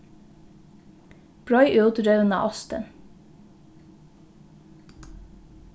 breið út rivna ostin